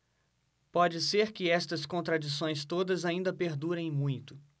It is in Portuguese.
pode ser que estas contradições todas ainda perdurem muito